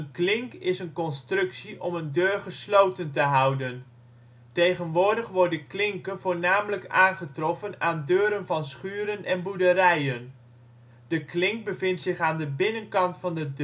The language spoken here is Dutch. klink is een constructie om een deur gesloten te houden. Tegenwoordig worden klinken voornamelijk aangetroffen aan deuren van schuren en boerderijen. De klink bevindt zich aan de binnenkant van de